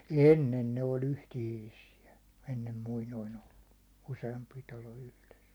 ennen ne oli yhteisiä ennen muinoin ollut useampi talo yhdessä